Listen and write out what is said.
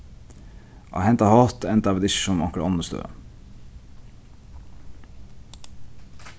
á henda hátt enda vit ikki sum onkur onnur støð